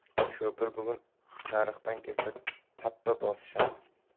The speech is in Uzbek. sho'pir bugun uchariqdan kelsa tappa bosishadi